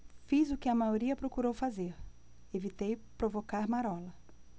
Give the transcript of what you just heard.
fiz o que a maioria procurou fazer evitei provocar marola